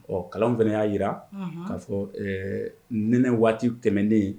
Ɔ kalan fana y'a jira k ka'a fɔ ɛɛ nɛnɛ waati tɛmɛnnen yen